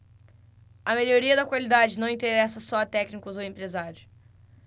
a melhoria da qualidade não interessa só a técnicos ou empresários